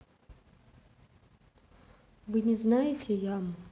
вы не знаете яму